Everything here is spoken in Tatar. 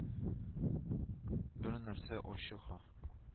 Бер нәрсә ачыха